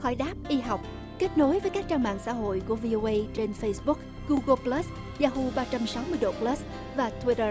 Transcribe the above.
khói đáp y học kết nối với các trang mạng xã hội của vi ô ây trên phây búc gu gồ bờ lớt da hu ba trăm sáu mươi đô bờ lớt và thua đơ